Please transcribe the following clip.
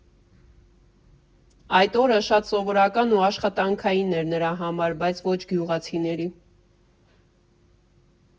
Այդ օրը շատ սովորական ու աշխատանքային էր նրա համար, բայց՝ ոչ գյուղացիների։